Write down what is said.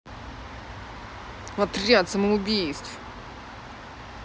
отряд самоубийств